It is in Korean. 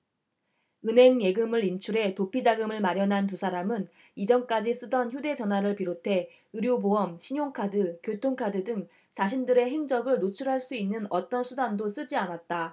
은행 예금을 인출해 도피자금을 마련한 두 사람은 이전까지 쓰던 휴대전화를 비롯해 의료보험 신용카드 교통카드 등 자신들의 행적을 노출할 수 있는 어떤 수단도 쓰지 않았다